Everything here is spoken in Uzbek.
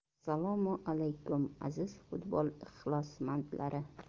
assalomu alaykum aziz futbol ixlosmandlari